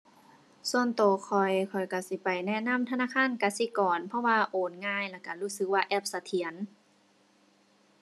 ส่วนตัวข้อย ข้อยตัวสิไปแนะนำธนาคารกสิกร เพราะว่าโอนง่ายแล้วตัวรู้สึกว่าแอปเสถียร